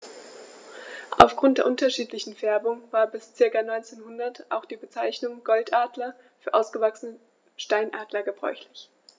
Auf Grund der unterschiedlichen Färbung war bis ca. 1900 auch die Bezeichnung Goldadler für ausgewachsene Steinadler gebräuchlich.